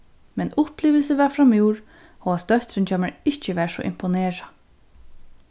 men upplivilsið var framúr hóast dóttirin hjá mær ikki var so imponerað